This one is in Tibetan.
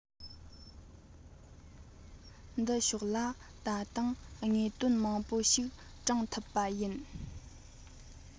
འདི ཕྱོགས ལ ད དུང དངོས དོན མང པོ ཞིག དྲངས ཐུབ པ ཡིན